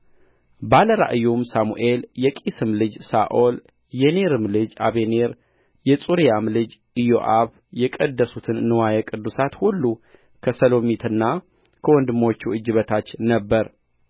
ባለ ራእዩም ሳሙኤል የቂስም ልጅ ሳኦል የኔርም ልጅ አበኔር የጽሩያም ልጅ ኢዮአብ የቀደሱት ንዋየ ቅድሳት ሁሉ ከሰሎሚትና ከወንድሞቹ እጅ በታች ነበረ